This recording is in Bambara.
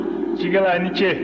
cikɛla i ni ce